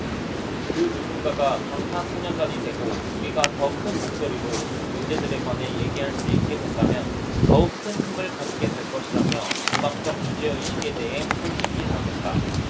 그 누군가가 방탄소년단이 되고 우리가 더 큰 목소리로 그 문제들에 관해 얘기할 수 있게 된다면 더욱 큰 힘을 가지게 될 것이라며 음악적 주제의식에 대해 솔직히 답했다